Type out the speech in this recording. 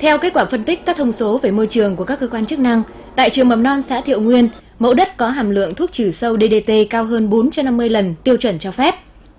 theo kết quả phân tích các thông số về môi trường của các cơ quan chức năng tại trường mầm non xã thiệu nguyên mẫu đất có hàm lượng thuốc trừ sâu đê đê tê cao hơn bốn trăm năm mươi lần tiêu chuẩn cho phép